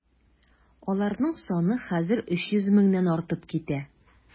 Аларның саны хәзер 300 меңнән артып китә.